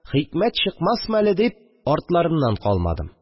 Хикмәт чыкмасмы әле дип, артларыннан калмадым